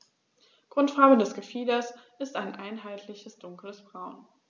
Grundfarbe des Gefieders ist ein einheitliches dunkles Braun.